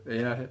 Ia.